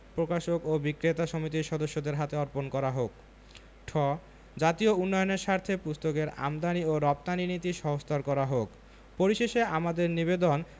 প্রকাশক ও বিক্রেতা সমিতির সদস্যদের হাতে অর্পণ করা হোক ঠ জাতীয় উন্নয়নের স্বার্থে পুস্তকের আমদানী ও রপ্তানী নীতি সহজতর করা হোক পরিশেষে আমাদের নিবেদন